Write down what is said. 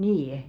niin